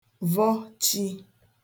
vọ chi